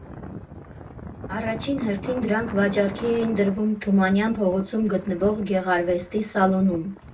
Առաջին հերթին դրանք վաճառքի էին դրվում Թումանյան փողոցում գտնվող Գեղարվեստի սալոնում։